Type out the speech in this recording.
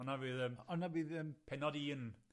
Hwnna fydd yym... O'na fydd yym... Pennod un...